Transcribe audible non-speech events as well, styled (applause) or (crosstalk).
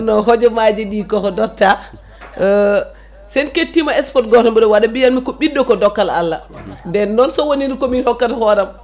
no hojomaji ɗi koko dotta (hesitation) sen kettima * oto mbiɗa waɗa mbiyanmi ko ɓiɗɗo ko dokkal Allah (smacks lips) nden sowonino ko min rokkata hooram